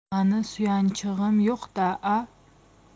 mani suyanchig'im yo'q da a